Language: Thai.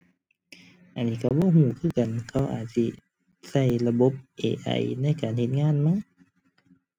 อันนี้ก็บ่ก็คือกัน เขาอาจสิก็ระบบ AI ในการเฮ็ดงานมั้ง